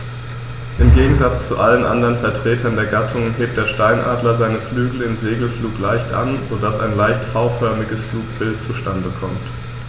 Im Gegensatz zu allen anderen Vertretern der Gattung hebt der Steinadler seine Flügel im Segelflug leicht an, so dass ein leicht V-förmiges Flugbild zustande kommt.